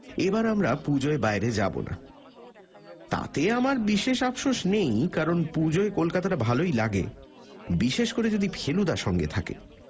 এবার আমরা পুজোয় বাইরে যাব না তাতে আমার বিশেষ আপশোস নেই কারণ পুজোয় কলকাতাটা ভালই লাগে বিশেষ করে যদি ফেলুদা সঙ্গে থাকে